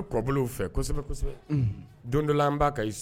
Don dɔ b' ka